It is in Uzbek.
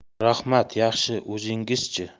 rahmat yaxshi o'zingizchi